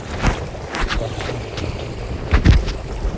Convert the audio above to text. канал дикий